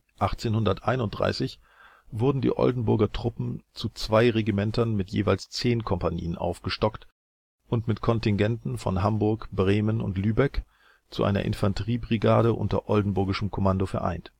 1831 wurden die Oldenburger Truppen zu zwei Regimentern mit jeweils zehn Kompanien aufgestockt und mit Kontingenten von Hamburg, Bremen und Lübeck zu einer Infanteriebrigade unter oldenburgischem Kommando vereint